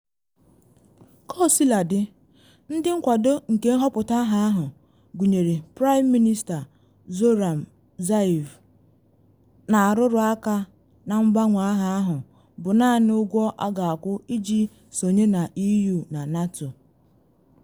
Kaosiladị, ndị nkwado nke nhọpụta ahụ, gụnyere Praịm Minista Zoran Zaev, na arụrụ aka na mgbanwe aha ahụ bụ naanị ụgwọ a ga-akwụ iji sonye na EU na NATO.